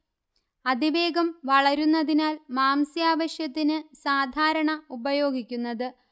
അതിവേഗം വളരുന്നതിനാൽ മാംസ്യാവശ്യത്തിന് സാധാരണ ഉപയോഗിക്കുന്നത്